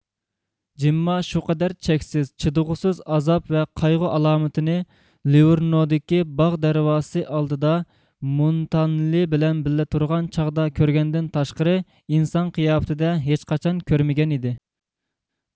جېمما شۇ قەدەر چەكسىز چىدىغۇسىز ئازاب ۋە قايغۇ ئالامىتىنى لىۋورنودىكى باغ دەرۋازىسى ئالدىدا مونتانېللى بىلەن بىللە تۇرغان چاغدا كۆرگەندىن تاشقىرى ئىنسان قىياپىتىدە ھېچقاچان كۆرمىگەنىدى